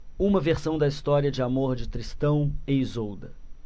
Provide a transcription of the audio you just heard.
uma versão da história de amor de tristão e isolda